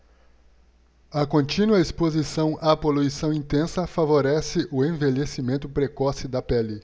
a contínua exposição à poluição intensa favorece o envelhecimento precoce da pele